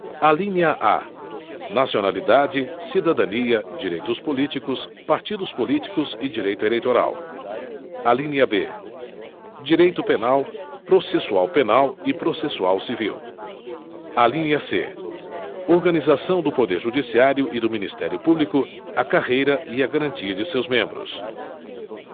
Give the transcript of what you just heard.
alínea a nacionalidade cidadania direitos políticos partidos políticos e direito eleitoral alínea b direito penal processual penal e processual civil alínea c organização do poder judiciário e do ministério público a carreira e a garantia de seus membros